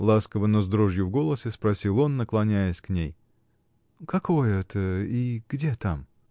— ласково, но с дрожью в голосе спросил он, наклоняясь к ней. — Какое то и где там?